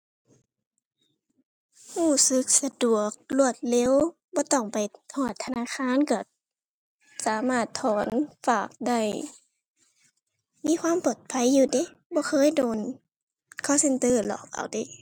รู้สึกสะดวกรวดเร็วบ่ต้องไปฮอดธนาคาร รู้สามารถถอนฝากได้ มีความปลอดภัยอยู่เดะ บ่เคยโดน call center หลอกเอาเดะ